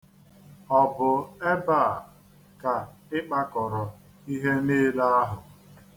Ọ bụ ebe a ka ị kpakọrọ ihe niile ahụ?